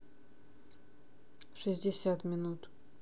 шестьдесят минут